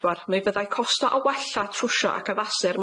adwar mi fyddai costo a wella trwsio ac addasu er